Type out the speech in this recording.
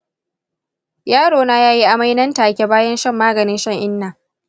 yarona ya yi amai nan take bayan shan maganin shan-inna.